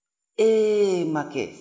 ɛɛ makɛ